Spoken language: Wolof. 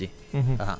ci biir suuf si